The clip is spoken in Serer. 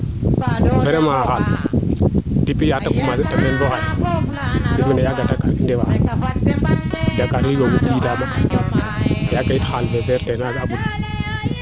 vraiment o xaal depuis yaate commencer it na meen bo xaye in yaaga Dakar i ndefaa Dakar i moofu njiiɗa de yaaga koy xaal fee seer te neene